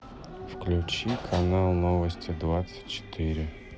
включи канал новости двадцать четыре